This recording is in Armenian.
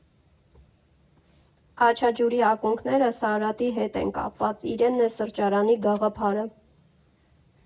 «Աչաջուրի» ակունքները Սարհատի հետ են կապված՝ իրենն է սրճարանի գաղափարը։